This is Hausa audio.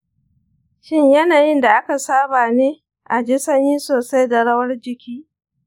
shin yanayin da aka saba ne, a ji sanyi sosai da rawar jiki?